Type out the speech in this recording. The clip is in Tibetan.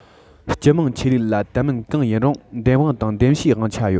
སྤྱི དམངས ཆོས ལུགས ལ དད མིན གང ཡིན རུང འདེམ དབང དང འདེམ བྱའི དབང ཆ ཡོད